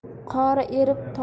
qori erib tog'i qolar